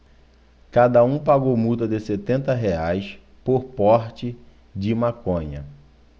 cada um pagou multa de setenta reais por porte de maconha